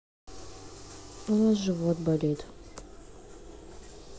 у нас живот болит